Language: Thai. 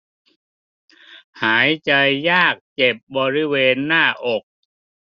หายใจยากเจ็บบริเวณหน้าอก